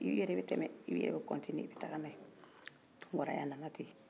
i yɛrɛ bɛ tɛmɛ e yɛrɛ bɛ kɔtiniye n' a ye tunkaraya nana ten